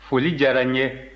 foli diyara n ye